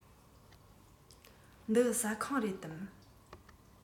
འདི ཟ ཁང རེད དམ